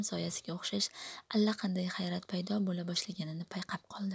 soyasiga o'xshash allaqanday hayrat paydo bo'la boshlaganini payqab oldi